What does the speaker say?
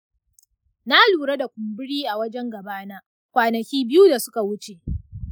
na lura da kumburi a wajen gabana kwanaki biyu da suka wuce.